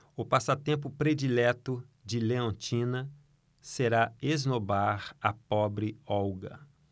o passatempo predileto de leontina será esnobar a pobre olga